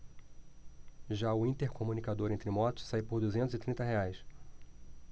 já o intercomunicador entre motos sai por duzentos e trinta reais